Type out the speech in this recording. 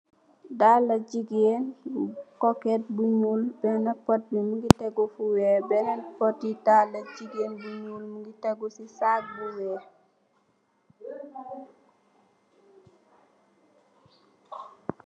Dalah jigeen koket bu nyul mungi teguh bena potbi mungi teguh fu wekh benen pot ti dalah jigeen bi mungi teguh si sac bu nyul